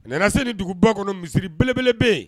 Nana se nin duguba kɔnɔ misiri belebele be ye